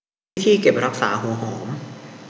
วิธีเก็บรักษาหัวหอม